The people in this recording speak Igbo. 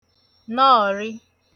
nọọ̀rị